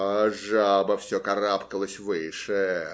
А жаба все карабкалась выше.